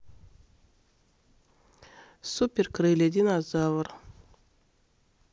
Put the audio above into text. супер крылья динозавр